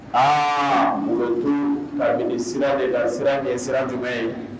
Aa o bɛ to kabini sira de la sira ye sira jumɛn ye